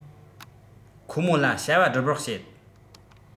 ཁོ མོ ལ བྱ བ བསྒྲུབས རོགས བྱེད